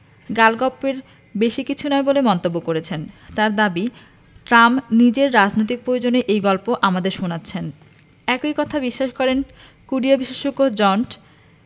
গালগপ্পের বেশি কিছু নয় বলে মন্তব্য করেছেন তাঁর দাবি ট্রাম্প নিজের রাজনৈতিক প্রয়োজনে এই গল্প আমাদের শোনাচ্ছেন একই কথা বিশ্বাস করেন কোরিয়া বিশেষজ্ঞ জন